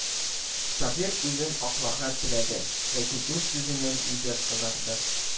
Сабир үзен акларга теләде, ләкин үз сүзеннән үзе кызарды